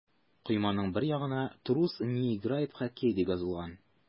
Койманың бер ягына «Трус не играет в хоккей» дип языгыз.